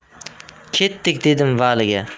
ketdik dedim valiga